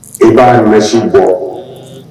I b'a mɛsi bɔ